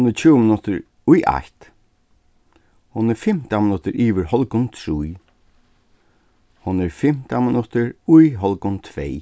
hon er tjúgu minuttir í eitt hon er fimtan minuttir yvir hálvgum trý hon er fimtan minuttir í hálvgum tvey